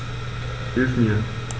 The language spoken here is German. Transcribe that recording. Hilf mir!